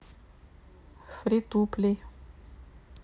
фритуплей